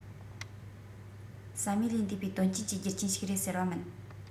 བསམ ཡུལ ལས འདས པའི དོན རྐྱེན གྱི རྒྱུ རྐྱེན ཞིག རེད ཟེར བ མིན